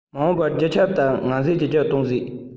མ འོངས པར རྒྱ ཁྱབ ངང བྱེད ཀྱི བརྒྱུད གཏོང བྱེད པ